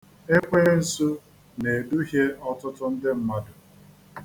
Ekwensu na-eduhie ọtụtụ ndị mmadụ.